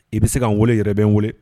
I bɛ se ka n weele yɛrɛ bɛ n wele